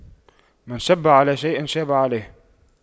من شَبَّ على شيء شاب عليه